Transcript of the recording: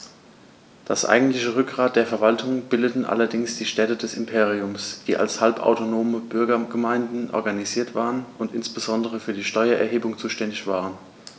Das eigentliche Rückgrat der Verwaltung bildeten allerdings die Städte des Imperiums, die als halbautonome Bürgergemeinden organisiert waren und insbesondere für die Steuererhebung zuständig waren.